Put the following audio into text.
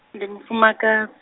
ndi mufumaka-.